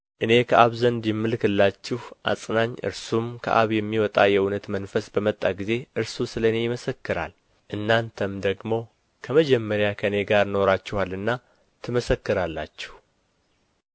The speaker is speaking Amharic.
እኔ ከአብ ዘንድ የምልክላችሁ አጽናኝ እርሱም ከአብ የሚወጣ የእውነት መንፈስ በመጣ ጊዜ እርሱ ስለ እኔ ይመሰክራል እናንተም ደግሞ ከመጀመሪያ ከእኔ ጋር ኖራችኋልና ትመሰክራላችሁ